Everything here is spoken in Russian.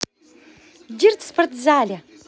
dirt в спортзале